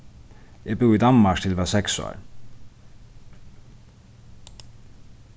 eg búði í danmark til eg var seks ár